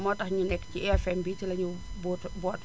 moo tax ñu nekk ci IFM bi ci lañu bootu bootu